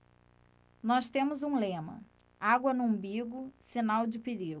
nós temos um lema água no umbigo sinal de perigo